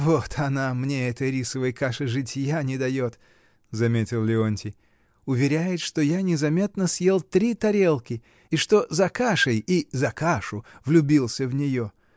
— Вот она мне этой рисовой кашей житья не дает, — заметил Леонтий, — уверяет, что я незаметно съел три тарелки и что за кашей и за кашу влюбился в нее.